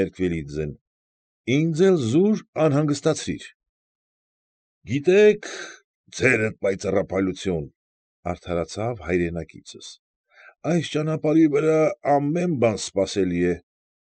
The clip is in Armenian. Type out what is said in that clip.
Մերկվելիձեն,֊ ինձ էլ զուր անհանգստացրիր։ ֊ Գիտե՛ք, ձերդ պայծառափայլություն,֊ արդարացավ հայրենակիցս,֊ այս ճանապարհի վրա ամեն բան սպասելի է։